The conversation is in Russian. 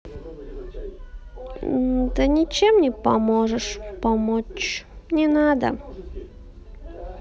да ничем не можешь помочь не надо